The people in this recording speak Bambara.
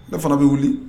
Ne fana bɛ wuli